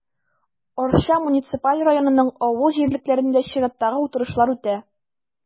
Арча муниципаль районының авыл җирлекләрендә чираттагы утырышлар үтә.